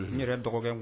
N yɛrɛ dɔgɔkɛ